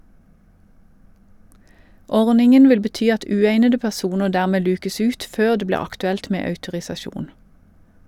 Ordningen vil bety at uegnede personer dermed lukes ut før det blir aktuelt med autorisasjon.